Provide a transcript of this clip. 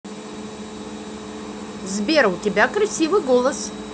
сбер у тебя красивый голос